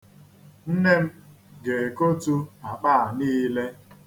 Nne m ga-ekotu akpa a niile.